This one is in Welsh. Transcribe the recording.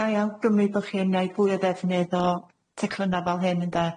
Ga i awgrymu bo' chi yn neud fwy o ddefnydd o teclynna fel hyn, ynde?